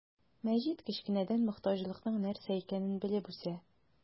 Мәҗит кечкенәдән мохтаҗлыкның нәрсә икәнен белеп үсә.